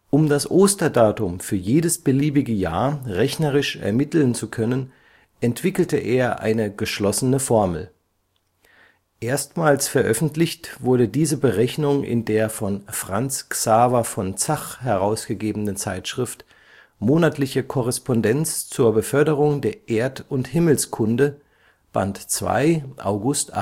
Um das Osterdatum für jedes beliebige Jahr rechnerisch ermitteln zu können, entwickelte er eine geschlossene Formel. Erstmals veröffentlicht wurde diese Berechnung in der von Franz Xaver von Zach herausgegebenen Zeitschrift Monatliche Correspondenz zur Beförderung der Erd - und Himmels-Kunde, Band 2, August